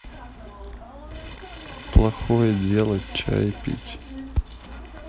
плохое делать чай пить